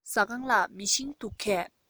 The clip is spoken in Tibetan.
ཟ ཁང ལ མེ ཤིང འདུག གས